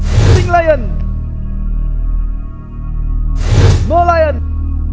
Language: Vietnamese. lây ừn mơ lây ừn